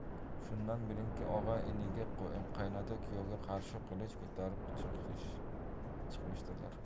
shundan bilingki og'a iniga qaynota kuyovga qarshi qilich ko'tarib chiqmishdirlar